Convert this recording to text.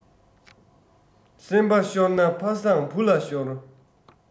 སེམས པ ཤོར ན ཕ བཟང བུ ལ ཤོར